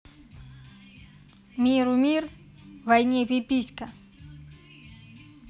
миру мир войне пиписька